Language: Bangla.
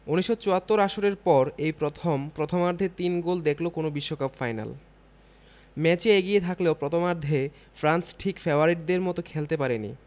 ১৯৭৪ আসরের পর এই প্রথম প্রথমার্ধে তিন গোল দেখল কোনো বিশ্বকাপ ফাইনাল ম্যাচে এগিয়ে থাকলেও প্রথমার্ধে ফ্রান্স ঠিক ফেভারিটের মতো খেলতে পারেনি